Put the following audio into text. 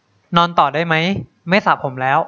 นอนต่อได้ไหมไม่สระผมแล้ว